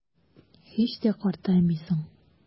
Һич тә картаймыйсың.